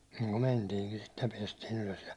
ja me mentiinkin sitten ja päästiin ylös ja